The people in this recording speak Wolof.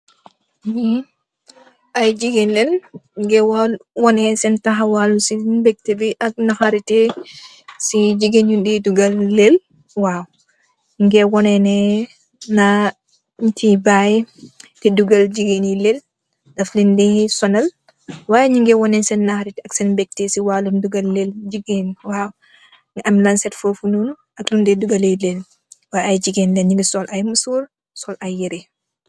Jigéen, ay jigéen lañg, di wone seen waalum taxawaay si mbekte bi ak naxar si jigéen ñie ñioy dugal lël, waaw. Ñio ngee wone ne, na nit yi baayi di dugal jigéen ñie lël, daf leen dee soonal. Waay ñio ngee wone seen naxar ak seen mbekte, si waalo dugal lël, jigéen. Am ñio sëët foof noon, nuñge dee dugalee lël. Waay ay jigéen lañg ñioge sol ay yere, ak musóor.